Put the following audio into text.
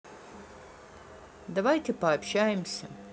давайте пообщаемся